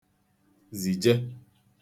zìje